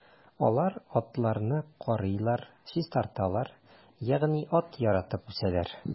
Алар атларны карыйлар, чистарталар, ягъни ат яратып үсәләр.